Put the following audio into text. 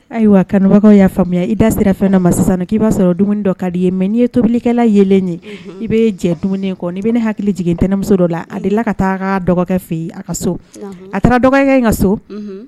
Ayiwa kanubagaw y'a faamuya i da sira fɛnna masa sisan k'i b'a sɔrɔ dumuni dɔ ka di ye mɛ n'i ye tobilikɛla yelen ye i bɛ jɛ dumuni kɔnɔ' bɛna ne hakili jigin ntɛnɛmuso dɔ la ale la ka taa dɔgɔkɛ fɛ yen a ka so a taara dɔgɔkɛ in ka so